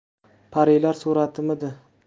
parilar suratimidi